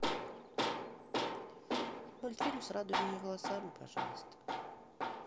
мультфильм с радужными волосами пожалуйста